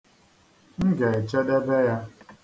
M ga-echedebe ya.